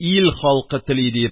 Ил халкы тели», дип